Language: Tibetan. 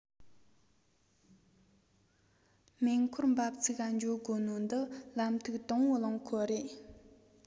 མེ འཁོར འབབ ཚིགས ག འགྱོ དགོ ནོ འདི ལམ ཐིག དང བོའི རླངས འཁོར རེད